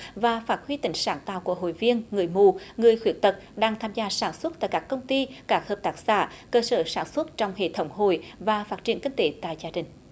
và phát huy tính sáng tạo của hội viên người mù người khuyết tật đang tham gia sản xuất tại các công ty các hợp tác xã cơ sở sản xuất trong hệ thống hồi và phát triển kinh tế tại gia đình